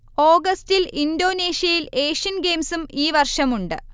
ഓഗസ്റ്റിൽ ഇന്തോനേഷ്യയിൽ ഏഷ്യൻ ഗെയിംസും ഈവർഷമുണ്ട്